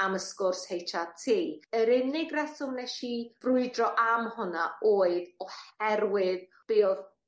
am y sgwrs Heitch Are Tee. Yr unig reswm nes i frwydro am honna oedd oherwydd be' o'dd